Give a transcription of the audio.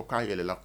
O k'a yɛlɛla